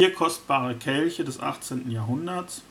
kostbare Kelche des 18. Jahrhunderts